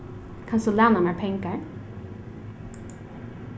kanst tú læna mær pengar